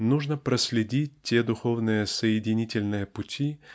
нужно проследить те духовные соединительные пути